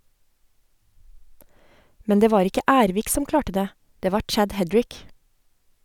Men det var ikke Ervik som klarte det, det var Chad Hedrick.